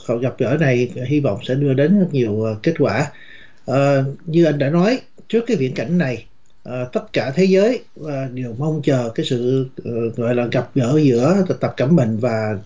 gặp gỡ này hy vọng sẽ đưa đến nhiều kết quả a như đã nói trước cái viễn cảnh này à tất cả thế giới đều mong chờ cái sự gọi là gặp gỡ giữa tập cận bình và